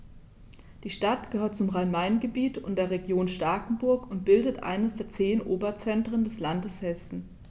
Die Stadt gehört zum Rhein-Main-Gebiet und der Region Starkenburg und bildet eines der zehn Oberzentren des Landes Hessen.